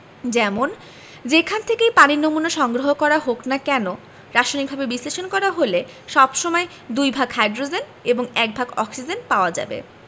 যেমন যেখান থেকেই পানির নমুনা সংগ্রহ করা হোক না কেন রাসায়নিকভাবে বিশ্লেষণ করা হলে সব সময় দুই ভাগ হাইড্রোজেন এবং এক ভাগ অক্সিজেন পাওয়া যাবে